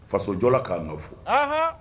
Fasojɔla ka kan ka fo. Anhan!